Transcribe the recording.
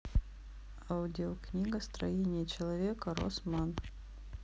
аудиокнига строение человека росман